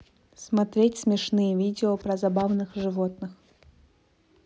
смотреть смешные видео про забавных животных